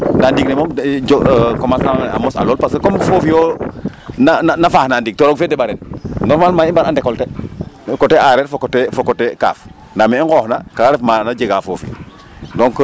Ndaa ndiig ne moom commencement a mos'a lool parce que comme foofi yo na faaxna ndiig to roog fe ndeɓa ren normalement i mbaag'a ndekolte coté aareer fo coté kaaf mee me i nqooxna ka ref maana jega foofi.